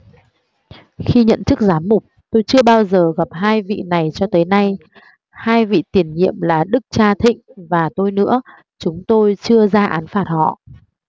khi nhận chức giám mục tôi chưa bao giờ gặp hai vị này cho tới nay hai vị tiền nhiệm là đức cha thịnh và tôi nữa chúng tôi chưa ra án phạt họ